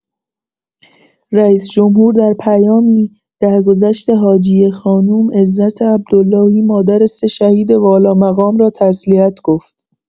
رئیس‌جمهور در پیامی، درگذشت حاجیه خانم عزت عبدالهی مادر سه شهید والامقام را تسلیت گفت.